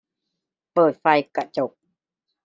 เปิดไฟกระจก